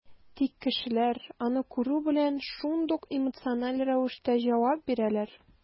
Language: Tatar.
Тик кешеләр, аны күрү белән, шундук эмоциональ рәвештә җавап бирәләр.